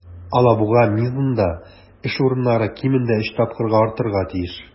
"алабуга" мизында эш урыннары кимендә өч тапкырга артарга тиеш.